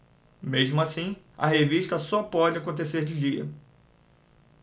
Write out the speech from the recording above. mesmo assim a revista só pode acontecer de dia